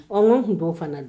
Ɔ n ko n tun t'à fana dɔn